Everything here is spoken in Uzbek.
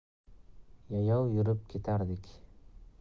yayov yurib ketardik